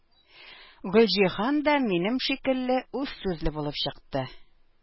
Гөлҗиһан да минем шикелле үзсүзле булып чыкты.